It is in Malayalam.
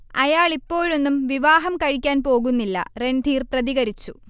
അയാളിപ്പോഴൊന്നും വിവാഹം കഴിക്കാൻ പോകുന്നില്ല- രൺധീർ പ്രതികരിച്ചു